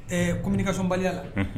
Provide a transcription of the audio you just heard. Ɛɛ communication baliya la; Unhun.